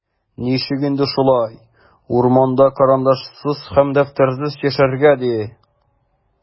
Ничек инде шулай, урманда карандашсыз һәм дәфтәрсез яшәргә, ди?!